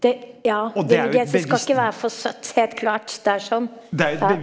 det ja skal ikke være for søtt, helt klart der sånn ja.